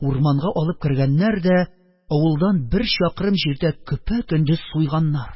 Урманга алып кергәннәр да, авылдан бер чакрым җирдә, көпә-көндез суйганнар.